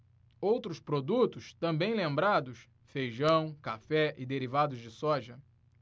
outros produtos também lembrados feijão café e derivados de soja